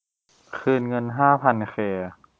คืนเงินห้าพันเค